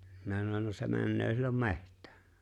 minä sanoin no se menee silloin metsään